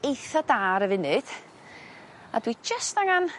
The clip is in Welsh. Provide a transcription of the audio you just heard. eitha da ar y funud a dwi jyst angan